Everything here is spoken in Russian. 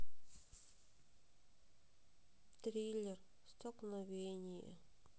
триллер столкновение